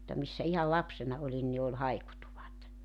mutta missä ihan lapsena olin niin oli haikutuvat